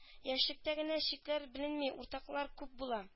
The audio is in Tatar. Яшьлектә генә чикләр беленми уртаклыклар күп була